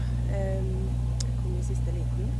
Jeg kom i siste liten.